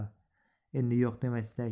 endi yo'q demaysiz da